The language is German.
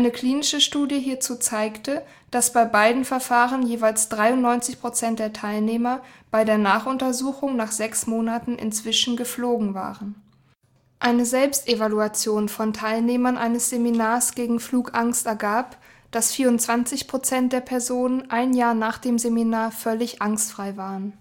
klinische Studie hierzu zeigte, dass bei beiden Verfahren jeweils 93 % der Teilnehmer bei der Nachuntersuchung nach 6 Monaten inzwischen geflogen waren. Eine Selbstevaluation von Teilnehmern eines Seminars gegen Flugangst ergab, dass 24 % Personen ein Jahr nach dem Seminar völlig angstfrei waren